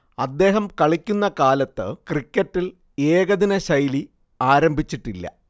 അദ്ദേഹം കളിക്കുന്ന കാലത്ത് ക്രിക്കറ്റിൽ ഏകദിനശൈലി ആരംഭിച്ചിട്ടില്ല